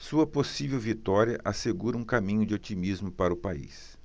sua possível vitória assegura um caminho de otimismo para o país